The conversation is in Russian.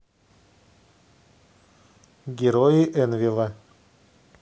герои энвелла